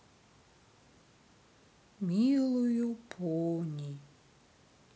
милую пони